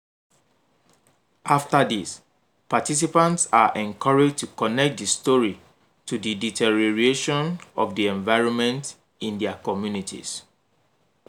After this, participants are encouraged to connect the story to the deterioration of the environment in their communities.